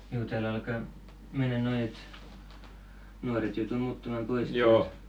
juu täällä alkaa mennä noin että nuoret joutuu muuttamaan pois täältä